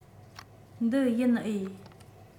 འདི ཡིན འོས